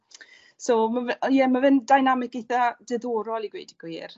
so ma' fe- o ie ma' fe'n dynamic eitha diddorol i gweud y gwir.